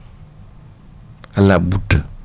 ala butta